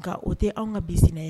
Nka o tɛ an ka bin ye